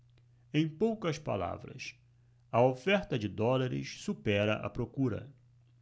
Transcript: em poucas palavras a oferta de dólares supera a procura